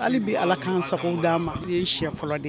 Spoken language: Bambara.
hali bɛ alakan sago d'a ma ne ye shɛ fɔlɔ de ye